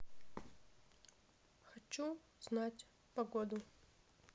хочу знать погоду